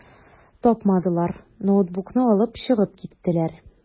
Тапмадылар, ноутбукны алып чыгып киттеләр.